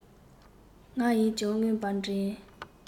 ང ཡིས ཀྱང རྔན པ འདྲན